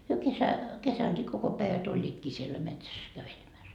he - kesänkin koko päivät olivatkin siellä metsässä kävelemässä